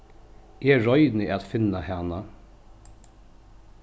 eg royni at finna hana